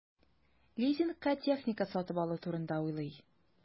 Лизингка техника сатып алу турында уйлый.